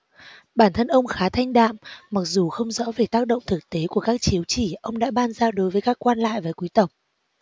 bản thân ông khá thanh đạm mặc dù không rõ về tác động thực tế của các chiếu chỉ ông đã ban ra đối với các quan lại và quý tộc